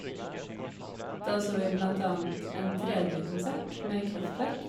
Da så vi blant annet en 3D-konsert med Kraftwerk.